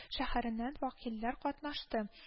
Шәһәреннән вәкилләр катнашты